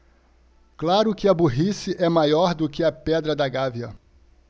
claro que a burrice é maior do que a pedra da gávea